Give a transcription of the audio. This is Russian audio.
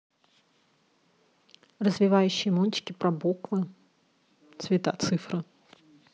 развивающие мультики про буквы цвета цифры